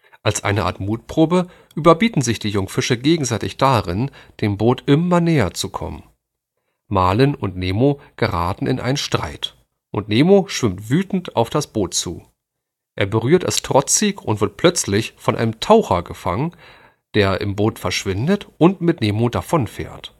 Als eine Art Mutprobe überbieten sich die jungen Fische gegenseitig darin, dem Boot immer näher zu kommen. Marlin und Nemo geraten in einen Streit, und Nemo schwimmt wütend auf das Boot zu. Er berührt es trotzig und wird plötzlich von einem Taucher gefangen, der im Boot verschwindet und mit Nemo davonfährt